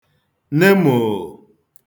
ne mòò